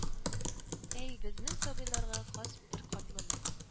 Әй, безнең сабыйларга хас беркатлылык